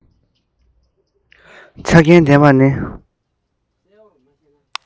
ཆ རྐྱེན ལྡན པ ནི